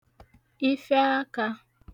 ifẹ akā